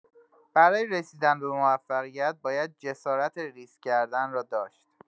برای رسیدن به موفقیت، باید جسارت ریسک کردن را داشت.